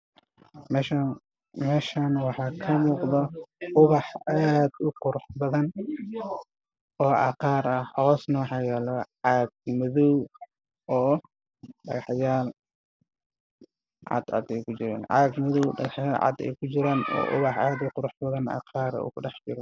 Waa meel banaan ah waxaa kuyaalla geeda cagaar laamihiisa dheer yihiin